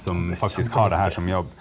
det er kjempeviktig.